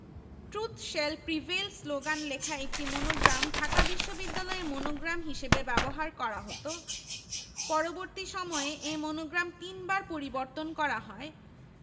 এতে করে বাসস্থান সমস্যার সৃষ্টি হয় পাকিস্তান সরকার এসব সমস্যার ব্যাপারে উদাসীন ছিল কারণ ছাত্ররাজনীতি বন্ধের লক্ষ্যে তারা বিশ্ববিদ্যালয়টিকে শহরের বাইরে স্থানান্তরে সচেষ্ট ছিল